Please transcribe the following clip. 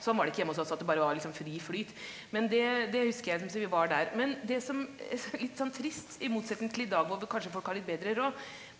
sånn var det ikke hjemme hos oss at det bare var liksom fri flyt, men det det husker jeg som så at vi var der, men det som litt sånn trist i motsetning til i dag og kanskje folk har litt bedre råd.